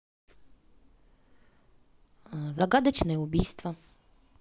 загадочное убийство